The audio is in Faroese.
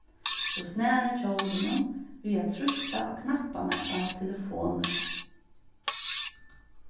og snara hjólinum við at trýsta á knapparnar á telefonini